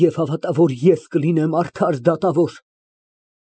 Եվ հավատա, ես կլինեմ արդար դատավոր։